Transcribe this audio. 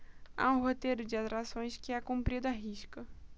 há um roteiro de atrações que é cumprido à risca